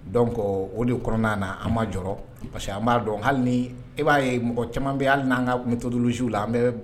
Dɔn o de kɔnɔna' na an ma jɔ parce que an b'a dɔn hali e b'a ye mɔgɔ caman bɛ hali n'an ka tun bɛ tolusiwu la an